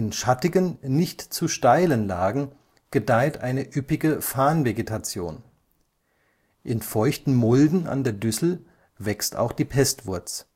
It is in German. schattigen, nicht zu steilen Lagen gedeiht eine üppige Farnvegetation. In feuchten Mulden an der Düssel wächst auch die Pestwurz